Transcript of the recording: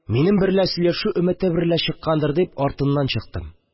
Минем берлә сөйләшү өмете берлә чыккандыр дип, артыннан чыктым